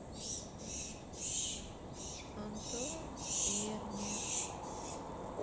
антон ирник